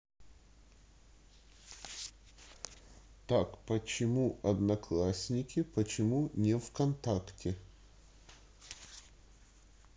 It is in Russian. так почему одноклассники почему не вконтакте